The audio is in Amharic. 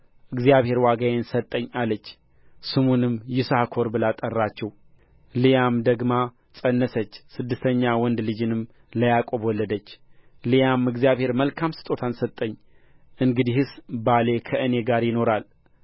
እግዚአብሔር ዋጋዬን ሰጠኝ አለች ስሙንም ይሳኮር ብላ ጠራችው ልያም ደግማ ፀነሰች ስድስተኛ ወንድ ልጅንም ለያዕቆብ ወለደች ልያም እግዚአብሔር መልካም ስጦታን ሰጠኝ እንግዲህስ ባሌ ከእኔ ጋር ይኖራል